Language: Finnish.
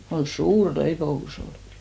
kun suuri leipomus oli